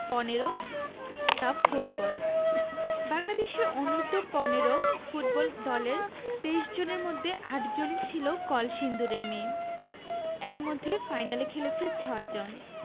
১৫ SAFF football বাংলাদেশে অনূর্ধ্ব ১৫ football দলের ২৩ জনের মধ্যে ৮ জনই ছিল কলসিন্দুরের মেয়ে এর মধ্যে ফাইনালে খেলেছে ৬ জন